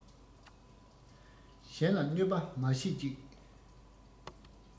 གཞན ལ གནོད པ མ བྱེད ཅིག